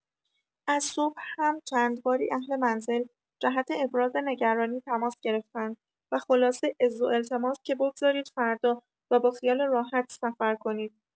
از صبح هم چند باری اهل منزل جهت ابراز نگرانی تماس گرفتند و خلاصه عز و التماس که بگزارید فردا و با خیال راحت سفر کنید.